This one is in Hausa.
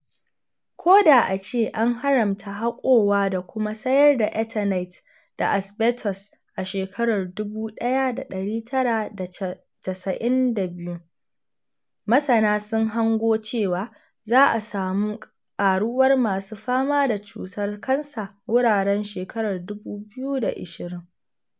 Ko da ace an haramta haƙowa da kuma sayar da Eternit da asbestos a 1992, masana sun hango cewa za a samu ƙaruwar masu fama da cutar kansa wuraren 2020.